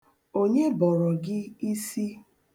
Onye bọrọ gị isi?